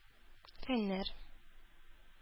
Фәннәр